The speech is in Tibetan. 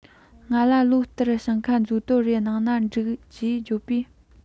ང ལ ལོ ལྟར ཞིང ཁ མཛོ དོར རེ གཏོང གནང ན འགྲིག ཅེས བརྗོད པས